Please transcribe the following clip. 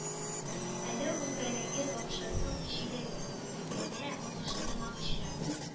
Әле ул бәрәңге бакчасын җиләкнекенә алыштырмакчы.